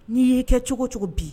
N'i y'i kɛ cogo o cogo bi